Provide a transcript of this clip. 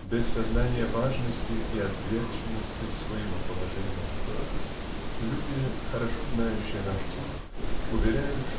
без сознания важности и ответственности своего положения. Люди хорошо знающие наш суд уверяют